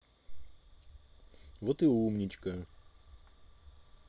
вот и умничка